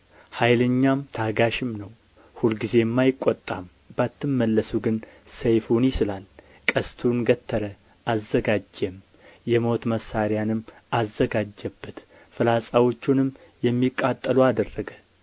ኃይለኛም ታጋሽም ነው ሁልጊዜም አይቈጣም ባትመለሱ ግን ሰይፉን ይስላል ቀስቱን ገተረ አዘጋጀም የሞት መሣርያንም አዘጋጀበት ፍላጻዎቹንም የሚቃጠሉ አደረገ